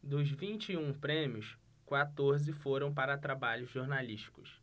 dos vinte e um prêmios quatorze foram para trabalhos jornalísticos